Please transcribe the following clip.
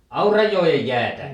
Aurajoen jäätä